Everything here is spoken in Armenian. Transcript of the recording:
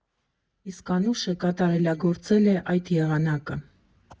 Իսկ Անուշը կատարելագործել է այդ եղանակը։